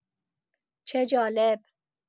چه جالب!